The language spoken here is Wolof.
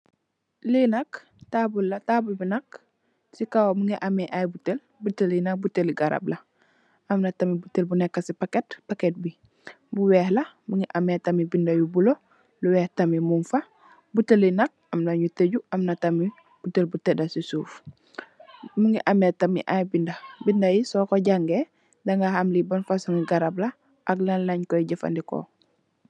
Lee nak taabul la taabul be nak se kawam muge ameh aye botel botel ye nak botele garab la amna tam botel bu neka se packet packet be bu weex la muge ameh beda yu bulo lu weex tamin mugfa botel ye nak amna nu teku amna tamin botel bu teda se suuf muge ameh tamin aye beda beda ye soku jange daga ham le ban fosunge garab la ak lanlenkoye jufaneku.